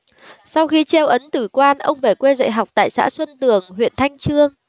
sau khi treo ấn từ quan ông về quê dạy học tại xã xuân tường huyện thanh chương